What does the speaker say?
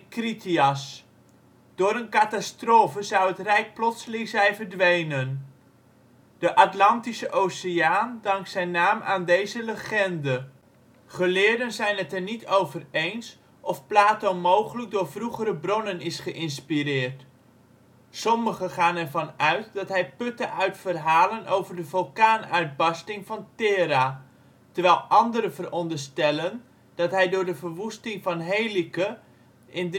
Critias. Door een catastrofe zou het rijk plotseling zijn verdwenen. De Atlantische Oceaan dankt zijn naam aan deze legende. Geleerden zijn het er niet over eens of Plato mogelijk door vroegere bronnen is geïnspireerd. Sommigen gaan er van uit dat hij putte uit verhalen over de vulkaanuitbarsting van Thera, terwijl anderen veronderstellen dat hij door de verwoesting van Helike in